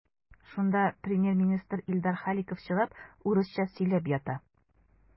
Шунда премьер-министр Илдар Халиков чыгып урысча сөйләп ята.